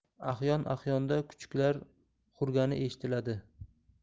ahyon ahyonda kuchuklar hurgani eshitiladi